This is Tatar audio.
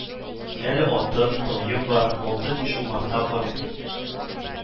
Әле атым, таем бар, алты баш умарта карыйм